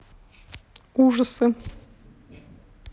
ужасы